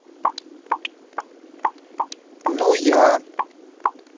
ну я